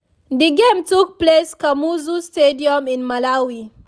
The game took place Kamuzu Stadium in Malawi.